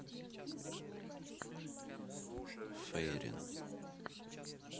фейрин